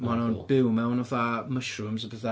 Ma' hynna'n cŵl... Maen nhw'n byw mewn fatha mushrooms a petha.